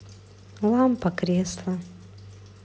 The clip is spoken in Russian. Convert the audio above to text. лампа кресло